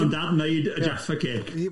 Ond dad wneud y Jaffa Cake.